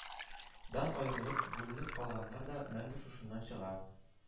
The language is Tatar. Дан аерылып, бүленеп калганнар да мәңге шушыннан чыга